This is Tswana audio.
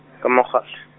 ka mogad- .